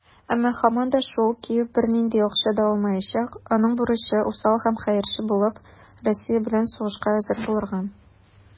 Әмма, һаман да шул, Киев бернинди акча да алмаячак - аның бурычы усал һәм хәерче булып, Россия белән сугышка әзер булырга.